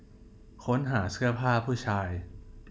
ค้นหาเสื้อผ้าผู้ชาย